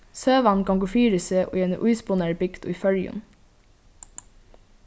søgan gongur fyri seg í eini íspunnari bygd í føroyum